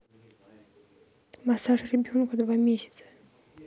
массаж ребенок два месяца